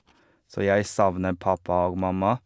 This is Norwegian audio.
Så jeg savner pappa og mamma.